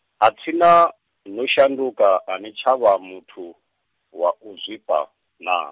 atsina, no shanduka ani tsha vha muthu, wa uzwifha, naa?